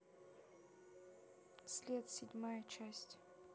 след седьмая часть